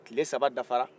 tile saba dafara